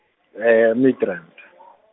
e- Midrand .